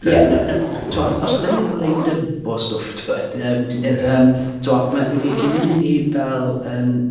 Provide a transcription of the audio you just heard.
Ia ia 'na timod, oes 'da ni rywle i dympo stwff timod ? Ti'n deall yym tibod, ma'... fi fi 'di mynd i mynd i fel, yn...